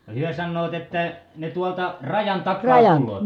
no he sanovat että ne tuolta rajan takaa tulevat